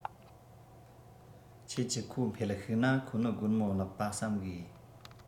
ཁྱེད ཀྱི ཁོ འཕེལ ཤུགས ན ཁོ ནི སྒོར མོ བརླག པ བསམ དགོས